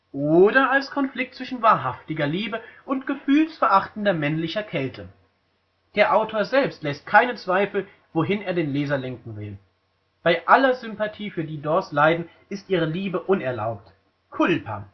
oder als Konflikt zwischen wahrhaftiger Liebe und gefühlsverachtender männlicher Kälte. Der Autor selbst lässt keinen Zweifel, wohin er den Leser lenken will: Bei aller Sympathie für Didos Leiden ist ihre Liebe unerlaubt, „ culpa